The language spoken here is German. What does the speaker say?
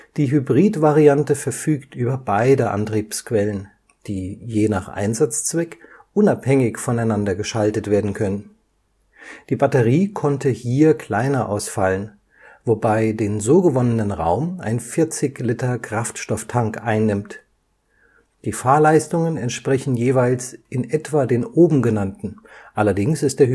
Die Hybrid-Variante verfügt über beide Antriebsquellen, die – je nach Einsatzzweck – unabhängig voneinander geschaltet werden können. Die Batterie konnte hier kleiner ausfallen, wobei den so gewonnenen Raum ein 40 Liter-Kraftstofftank einnimmt. Die Fahrleistungen entsprechen jeweils in etwa den oben genannten, allerdings ist der